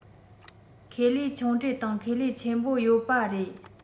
ཁེ ལས ཆུང གྲས དང ཁེ ལས ཆེན པོ ཡོད པ རེད